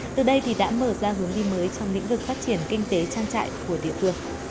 từ đây thì đã mở ra hướng đi mới trong lĩnh vực phát triển kinh tế trang trại của địa phương